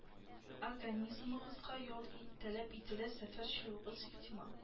Организмыгызга ял и таләп ителә сәфәр чыгугыз ихтимал